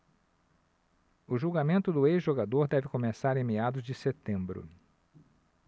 o julgamento do ex-jogador deve começar em meados de setembro